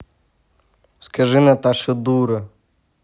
скажи наташа дура